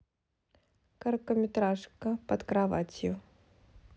короткометражка под кроватью